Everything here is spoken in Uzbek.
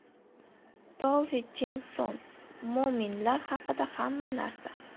tove jansson moominlar haqida hamma narsa